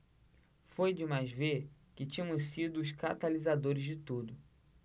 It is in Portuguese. foi demais ver que tínhamos sido os catalisadores de tudo